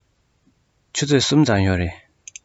ཆུ ཚོད གསུམ ཙམ ཡོད རེད